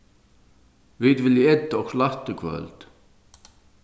vit vilja eta okkurt lætt í kvøld